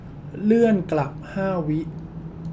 เลื่อนกลับห้าวิ